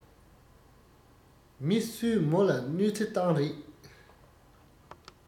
མི སུས མོ ལ གནོས ཚེ བཏང རེད